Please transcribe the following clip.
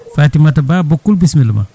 Fatimata Ba Boukul bisimilla ma